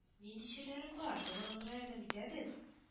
— нинди чирләрең бар — дәваланырга ярдәм итәбез…